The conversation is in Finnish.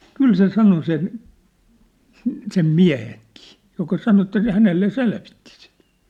kyllä se sanoi sen - sen miehenkin joka sanoi että se hänelle selvitti sitä